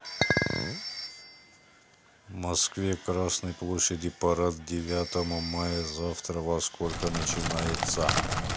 в москве красной площади парад к девятому мая завтра во сколько начинается